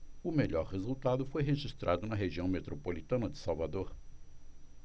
o melhor resultado foi registrado na região metropolitana de salvador